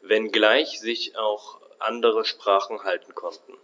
wenngleich sich auch andere Sprachen halten konnten.